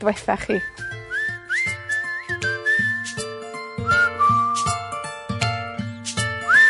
ddwetha chi?